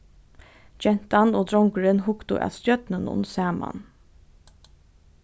gentan og drongurin hugdu at stjørnunum saman